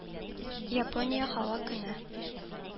Япония Һава көне